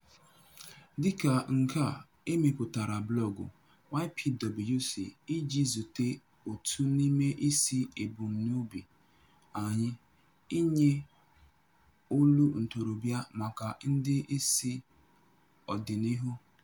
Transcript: Dịka nke a, e mepụtara blọọgụ YPWC iji zute otu n'ime isi ebumnobi anyị: inye "olu ntorobịa" maka ndị isi n'ọdịnihu.